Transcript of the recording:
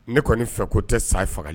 Ne kɔnni fɛ ko tɛ sa in fagali